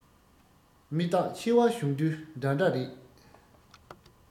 མི རྟག འཆི བ བྱུང དུས འདྲ འདྲ རེད